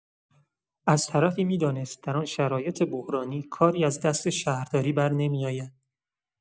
از طرفی می‌دانست در آن شرایط بحرانی کاری از دست شهرداری برنمی‌آید.